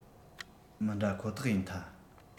མི འདྲ ཁོག ཐག ཡིན ཐ